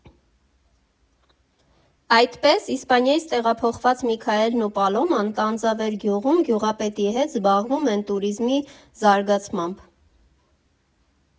Այդպես, Իսպանիայից տեղափոխված Միքայելն ու Պալոման Տանձավեր գյուղում գյուղապետի հետ զբաղվում են տուրիզմի զարգացմամբ։